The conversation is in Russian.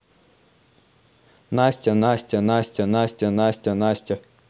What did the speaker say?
настя настя настя настя настя настя